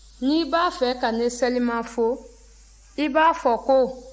n'i bɛ a fɛ ka ne selimafo i b'a fɔ ko